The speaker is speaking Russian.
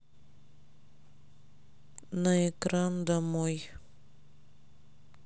на экран домой